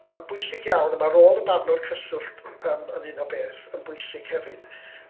Mae'n bwysig iawn a ma' rôl y barnwr cyswllt yym yn hyn o beth yn bwysig hefyd.